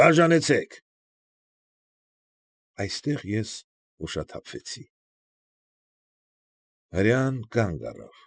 Բաժանեցեք… Այստեղ ես ուշաթափվեցի… Հրեան կանգ առավ։